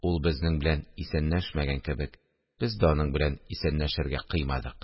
Ул безнең белән исәнләшмәгән кебек, без дә аның белән исәнләшергә кыймадык